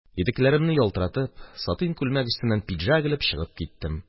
Итекләремне ялтыратып, сатин күлмәк өстеннән пиджак элеп чыгып киттем.